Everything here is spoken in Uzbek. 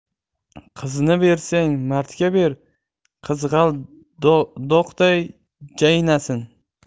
qizni bersang mardga ber qizg'aldoqday jaynasin